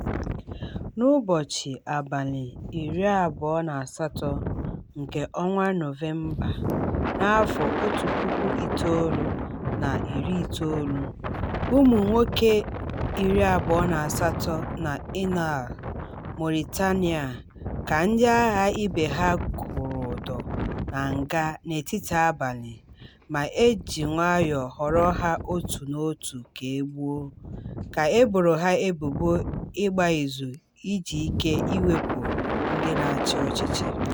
N'ụbọchị 28 nke Nọvemba, 1990, ụmụnwoke 28 na Inal, Mauritania, ka ndị agha ibe ha kwụrụ ụdọ na nga n'etiti abalị, ma e ji nwayọọ họrọ ha otu na otu ka e gbuo, ka e boro ha ebubo ịgba izu iji ike iwepụ ndị na-achị ọchịchị.